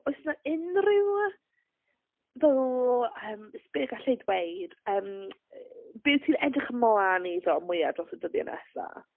Oes 'na unrhyw fel yym... is- be galla i ddweud yym yy be wyt ti'n edrych ymlaen iddo mwya dros y dyddiau nesa?